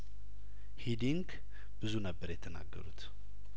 ሂዲንክ ብዙ ነበር የተናገሩት